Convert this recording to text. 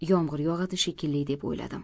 yomg'ir yog'adi shekilli deb o'yladim